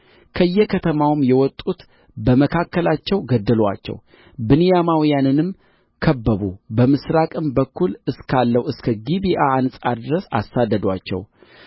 ከየከተማውም የወጡት በመካከላቸው ገደሉአቸው ብንያማውያንንም ከበቡ በምሥራቅም በኩል እስካለው እስከ ጊብዓ አንጻር ድረስ አሳደዱአቸው